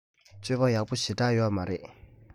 སྤྱོད པ ཡག པོ ཞེ དྲགས ཡོད མ རེད